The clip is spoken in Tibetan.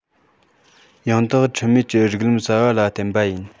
ཡང དག འཁྲུལ མེད ཀྱི རིགས ལམ གསར བ ལ བརྟེན པ ཡིན